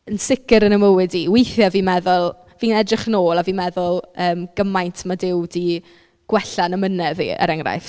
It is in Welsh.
Yn sicr yn 'y mywyd i, weithiau fi'n meddwl... fi'n edrych yn ôl a fi'n meddwl yym gymaint ma' Duw 'di gwella y'n amynedd i er enghraifft.